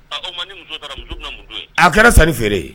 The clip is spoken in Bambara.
A kɛra san feere ye